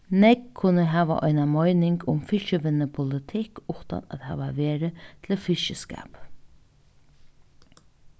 nógv kunnu hava eina meining um fiskivinnupolitikk uttan at hava verið til fiskiskap